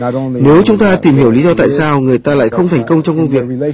nếu chúng ta tìm hiểu lý do tại sao người ta lại không thành công trong công việc